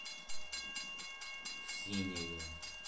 синяя